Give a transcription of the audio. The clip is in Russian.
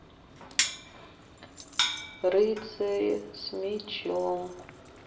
рыцари с мечом